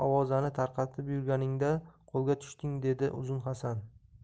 ovozani tarqatib yurganingda qo'lga tushding dedi uzun hasan